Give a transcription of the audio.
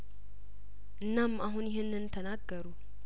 እናም አሁን ይህንን ተናገሩ